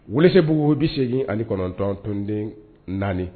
Wese b' bɛ segin ani kɔnɔntɔntɔnonden naani